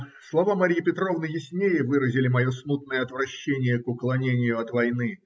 Слова Марьи Петровны яснее выразили мое смутное отвращение к уклонению от войны.